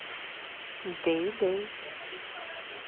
day day